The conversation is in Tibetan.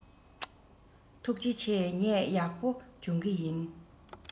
ཐུགས རྗེ ཆེ ངས ཡག པོ སྦྱོང གི ཡིན